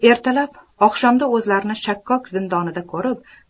ertalab oqshomda o'zlarini shakkok zindonida ko'rib